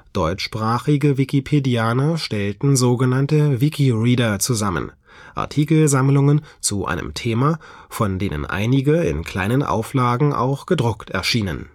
Deutschsprachige Wikipedianer stellten sogenannte WikiReader zusammen, Artikelsammlungen zu einem Thema, von denen einige in kleinen Auflagen auch gedruckt erschienen